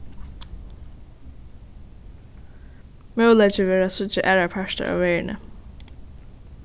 møguleiki verður at síggja aðrar partar av verðini